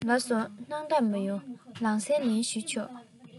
ལགས སོ སྣང དག མི ཡོང ལམ སེང ལན ཞུས ཆོག